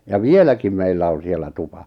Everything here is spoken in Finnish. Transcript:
ja vieläkin meillä on siellä tupa